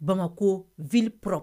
Banko v p